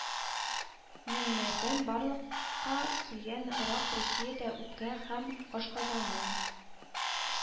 Миңнәрдән барлыкка килгән рак Русиядә үпкә һәм ашказаны